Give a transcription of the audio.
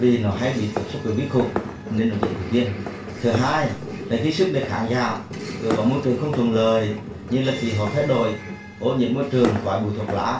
vì nó hay bị tiếp xúc với vi khuẩn nên nó dễ bị viêm thứ hai là khi sức đề kháng giảm yếu tố môi trường không thuận lợi như là khí hậu thay đổi ô nhiễm môi trường khói bụi thuốc lá